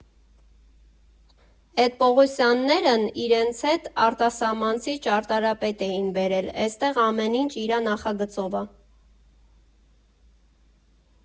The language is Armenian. Էդ Պողոսյաններն իրենց հետ արտասահմանցի ճարտարապետ էին բերել, էստեղ ամեն ինչ իրա նախագծով ա։